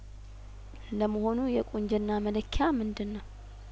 ለመሆኑ የቁንጅና መለኪያ ምንድነው